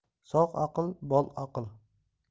sog' aql bol aql